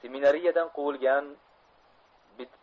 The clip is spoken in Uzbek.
seminariyadan quvilgan